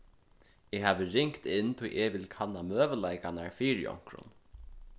eg havi ringt inn tí eg vil kanna møguleikarnar fyri onkrum